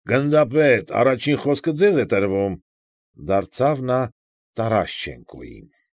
Գնդապետ, առաջին խոսքը ձեզ է տրվում,֊ դարձավ նա Տարաշչենկոյին։ ֊